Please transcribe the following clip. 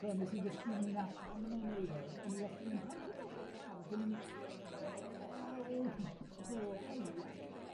So nes i ddysgu 'na pam ma' nw'n neud e o- o'n i wastod yn myn' pam chi'n golchi car cyn myn' i o! wela i ŵan!